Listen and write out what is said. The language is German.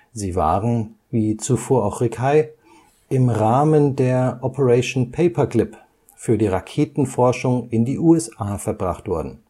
Sie waren, wie zuvor auch Rickhey, im Rahmen der Operation Paperclip für die Raketenforschung in die USA verbracht worden